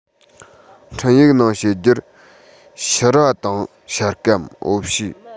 འཕྲིན ཡིག ནང བཤད རྒྱུར ཕྱུར ར དང ཤ སྐམ འོ ཕྱེ